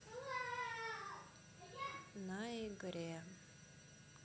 на игре